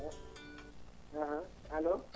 allo